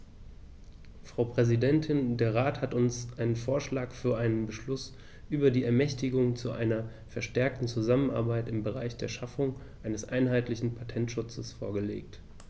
Frau Präsidentin, der Rat hat uns einen Vorschlag für einen Beschluss über die Ermächtigung zu einer verstärkten Zusammenarbeit im Bereich der Schaffung eines einheitlichen Patentschutzes vorgelegt.